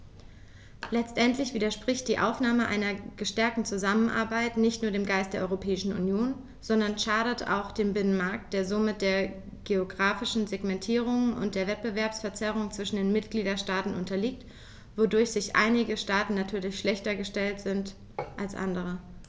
Letztendlich widerspricht die Aufnahme einer verstärkten Zusammenarbeit nicht nur dem Geist der Europäischen Union, sondern schadet auch dem Binnenmarkt, der somit der geographischen Segmentierung und der Wettbewerbsverzerrung zwischen den Mitgliedstaaten unterliegt, wodurch einige Staaten natürlich schlechter gestellt sind als andere.